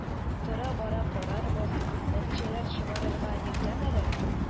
Тора-бара карарбыз, нәтиҗәләр чыгарырга иртәме әле?